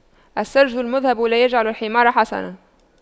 السَّرْج المُذهَّب لا يجعلُ الحمار حصاناً